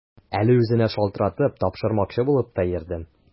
Әле үзенә шалтыратып, тапшырмакчы булып та йөрдем.